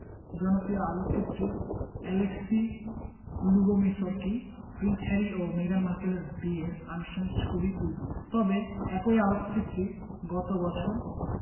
জনপ্রিয় আলোকচিত্রী Alexey Lubomirski prince Harry ও মেগান মার্কেলের বিয়ের আনুষ্ঠানিক ছবি তুলবেন একই আলোকচিত্রী গত বছর